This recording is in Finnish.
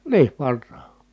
niin varhain